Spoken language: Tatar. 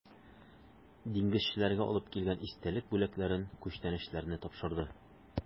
Диңгезчеләргә алып килгән истәлек бүләкләрен, күчтәнәчләрне тапшырды.